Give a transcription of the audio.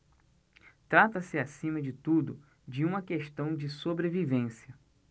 trata-se acima de tudo de uma questão de sobrevivência